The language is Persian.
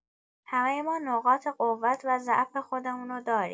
همۀ ما نقاط قوت و ضعف خودمون رو داریم.